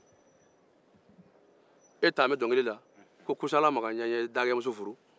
e t'a mɛn dɔnkili la ko kasala makan ye dagemuso furu